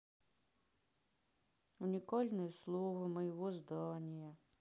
уникальное слово моего здания